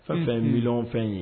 Fɛn o fɛn ye miliyɔn fɛn ye